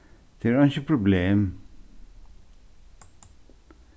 tað er einki problem